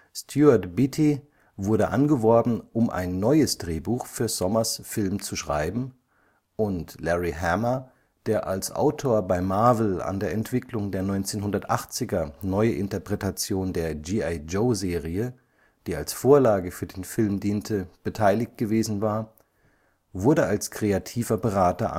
Stuart Beattie wurde angeworben, um ein neues Drehbuch für Sommers ' Film zu schreiben, und Larry Hama, der als Autor bei Marvel an der Entwicklung der 1980er-Neuinterpretation der „ G.I.-Joe “- Serie (die als Vorlage für den Film diente) beteiligt gewesen war, wurde als kreativer Berater